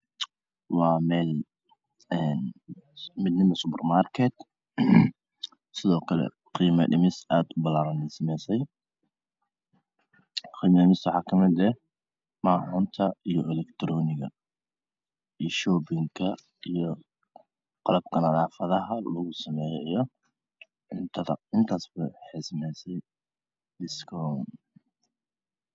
Waa meel supar marketed sidoo kle qiima dhimis aad ubalaaran sameesay qiima dhimista waxaa kamid macuunta iyo eleg tarooniga iyo shoopinka qalabka nadaafadaha lagu sameeyo intaasba waxii sameesay qiima dhimis